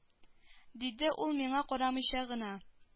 Диде ул миңа карамыйча гына